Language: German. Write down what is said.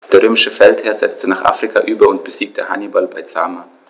Der römische Feldherr setzte nach Afrika über und besiegte Hannibal bei Zama.